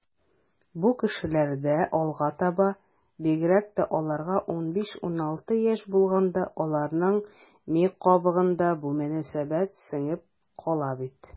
Бу кешеләрдә алга таба, бигрәк тә аларга 15-16 яшь булганда, аларның ми кабыгына бу мөнәсәбәт сеңеп кала бит.